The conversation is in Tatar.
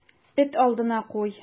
Эт алдына куй.